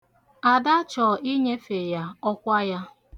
Ada chọ inyefe ya ọkwa ya.